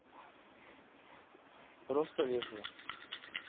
просто лежу